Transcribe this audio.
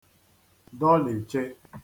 dọlìche